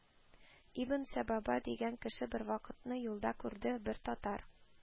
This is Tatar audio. Ибн Сәбабә дигән кеше бервакытны юлда күрде: бер татар